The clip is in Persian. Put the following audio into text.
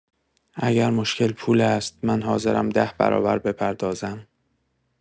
اگر مشکل پول است، من حاضرم ده‌برابر بپردازم.